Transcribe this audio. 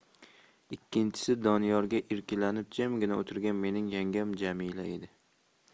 ikkinchisi donyorga erkalanib jimgina o'tirgan mening yangam jamila edi